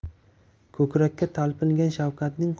ko'krakka talpingan shavkatning